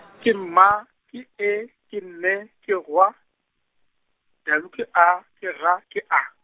ke mma, ke E, ke nne, ke gwa, W ke A, ke ga, ke A.